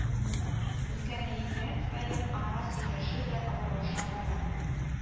Өлкәнәйгән саен аңа сөйләшү дә авырлаша бара